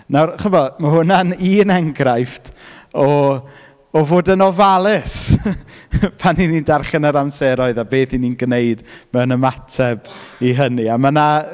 Nawr, chibod ma' hwnna'n un enghraifft o o fod yn ofalus pan 'y ni'n darllen yr amseroedd a beth 'y ni'n gwneud mewn ymateb i hynny a mae 'na...